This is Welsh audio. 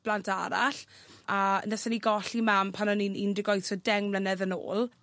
blant arall a nethon ni golli mam pan o'n i'n un deg wyth so deng mlynedd yn ôl.